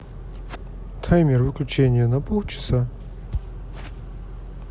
таймер выключение на полчаса